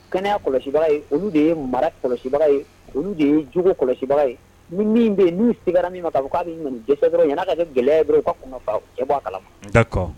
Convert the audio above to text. Kɛnɛya kɔlɔsi baa ye, olu de ye mara k kɔlɔsibaga ye, olu de ye jogo kɔlɔsibaga ye, ni min bɛ ye n'u siga ra min ma yani ka fɔ k'a b'u dɛsɛ dɔrɔn u ka kɔn ka bɛɛ kɛ bɔ a kalama, d'accord